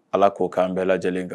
Ala k'o k'an bɛɛ lajɛ lajɛlen kan